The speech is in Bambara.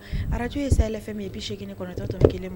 Araj ye saya min ye sigi kɔnɔtɔ tɔ kelen